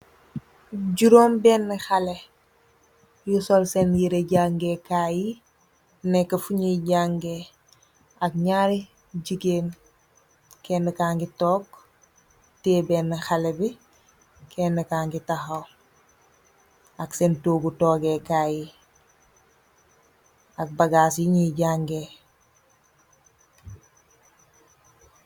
Jurombena xali yu sol sèèn yirèh jan'ngeh kai nekka fuñoy jangèè ak ñaari gigeen kènna ka ngi togg teyeh benna xali kènna ka ngi taxaw ak sèèn tohgu togeh Kai yi.